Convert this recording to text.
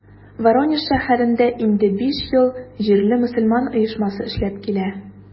Воронеж шәһәрендә инде биш ел җирле мөселман оешмасы эшләп килә.